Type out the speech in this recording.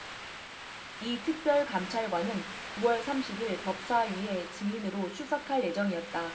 이 특별감찰관은 구 월 삼십 일 법사위에 증인으로 출석할 예정이었다